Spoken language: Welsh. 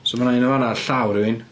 So mae 'na un yn fan'na ar llaw rhywun.